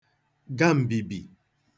ga m̄bībī